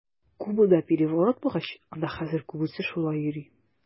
Кубада переворот булгач, анда хәзер күбесе шулай йөри.